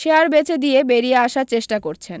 share বেচে দিয়ে বেরিয়ে আসার চেষ্টা করছেন